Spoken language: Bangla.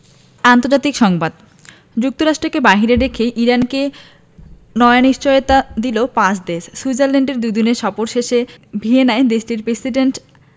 আন্তর্জাতিক সংবাদ যুক্তরাষ্ট্রকে বাইরে রেখেই ইরানকে নয়া নিশ্চয়তা দিল পাঁচ দেশ সুইজারল্যান্ডে দুদিনের সফর শেষে ভিয়েনায় দেশটির প্রেসিডেন্ট